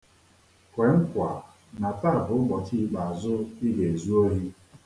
Kwee nkwa na taa bụ ụbọchị ikpeazụ i ga-ezu ohi.